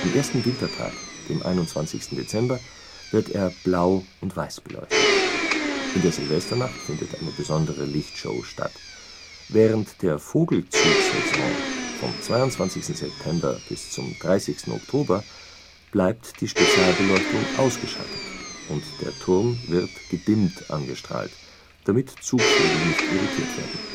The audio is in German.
ersten Wintertag, dem 21. Dezember, wird er blau und weiß beleuchtet. In der Silvesternacht findet eine besondere Lichtshow statt. Während der Vogelzugsaison vom 22. September bis zum 30. Oktober bleibt die Spezialbeleuchtung ausgeschaltet und der Turm nur gedimmt angestrahlt, damit Zugvögel nicht irritiert werden